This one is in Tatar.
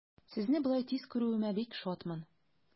Сезне болай тиз күрүемә бик шатмын.